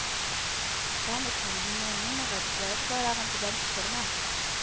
Рамочный, җиңүеңне ныгыт, ярыш байрагын түбән төшермә